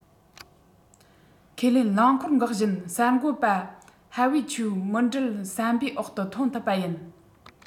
ཁས ལེན རླངས འཁོར འགག བཞིན གསར འགོད པ ཧྭ ཝུའེ ཆའོ མི འགྲུལ ཟམ པའི འོག ཏུ མཐོང ཐུབ པ ཡིན